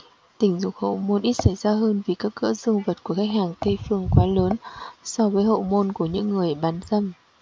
tình dục hậu môn ít xảy ra hơn vì kích cỡ dương vật của khách hàng tây phương quá lớn so với hậu môn của những người bán dâm